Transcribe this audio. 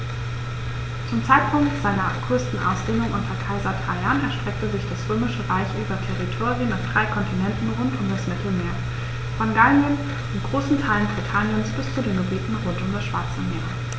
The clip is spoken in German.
Zum Zeitpunkt seiner größten Ausdehnung unter Kaiser Trajan erstreckte sich das Römische Reich über Territorien auf drei Kontinenten rund um das Mittelmeer: Von Gallien und großen Teilen Britanniens bis zu den Gebieten rund um das Schwarze Meer.